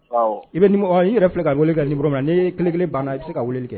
I bɛ i yɛrɛ filɛ ka weele kɛ nin min na n' ye kelenkelen banna i tɛ se ka wuli kɛ